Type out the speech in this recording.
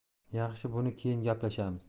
yaxshi buni keyin gaplashamiz